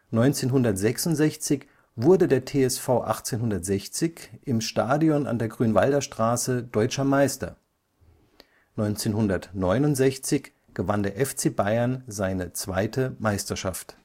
1966 wurde der TSV 1860 im Stadion an der Grünwalder Straße Deutscher Meister, 1969 gewann der FC Bayern seine zweite Meisterschaft